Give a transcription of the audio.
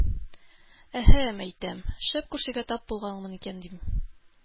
Әһә, мәйтәм, шәп күршегә тап булганмын икән, дим.